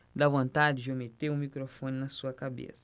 dá vontade de eu meter o microfone na sua cabeça